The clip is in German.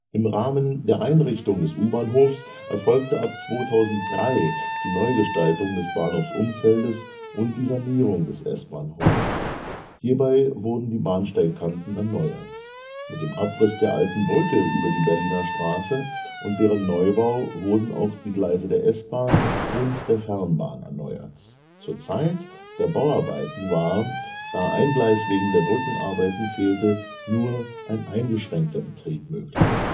Im Rahmen der Einrichtung des U-Bahnhofes erfolgte ab 2003 die Neugestaltung des Bahnhofumfeldes und die Sanierung des S-Bahnhofs. Hierbei wurden die Bahnsteigkanten erneuert. Mit dem Abriss der alten Brücke über die Berliner Straße und deren Neubau wurden auch die Gleise der S-Bahn und der Fernbahn erneuert. Zur Zeit der Bauarbeiten war, da ein Gleis wegen der Brückenarbeiten fehlte, nur ein eingeschränkter Betrieb möglich